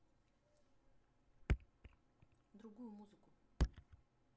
другую музыку